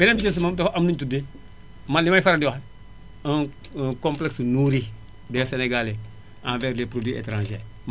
beneen bi ci des moom dafa am nu mu tuddee man li may faral di wax un un complexe nourrit des sénégalais envers les produits étrangers